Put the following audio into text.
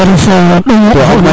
jangaru fa ɗomu